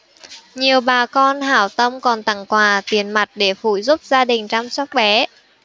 nhiều bà con hảo tâm còn tặng quà tiền mặt để phụ giúp gia đình chăm sóc bé